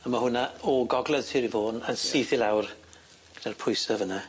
A ma' hwnna o gogledd Sir Fôn yn syth i lawr 'dy'r pwyse fyn 'na.